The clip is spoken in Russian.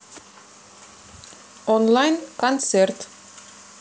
онлайн концерт